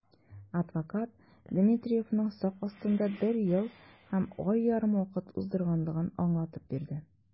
Адвокат Дмитриевның сак астында бер ел һәм ай ярым вакыт уздырганлыгын аңлатып бирде.